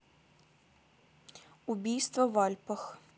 убийство в альпах